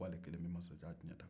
k'ale kelen bɛ masajan ciɲɛ ta